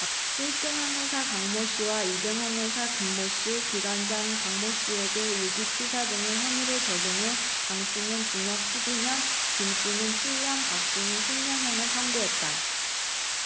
일 등 항해사 강모씨와 이 등 항해사 김모씨 기관장 박모씨에게 유기치사 등의 혐의를 적용해 강씨는 징역 십 이 년 김씨는 칠 년 박씨는 십 년 형을 선고했다